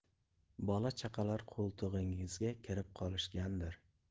bola chaqalar qo'ltig'ingizga kirib qolishgandir